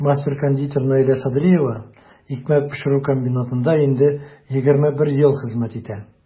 Мастер-кондитер Наилә Садриева икмәк пешерү комбинатында инде 21 ел хезмәт итә.